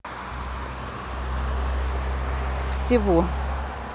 всего